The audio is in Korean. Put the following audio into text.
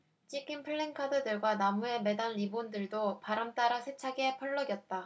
찢긴 플래카드들과 나무에 매단 리본들도 바람 따라 세차게 펄럭였다